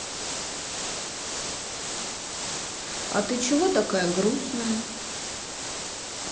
а ты чего такая грустная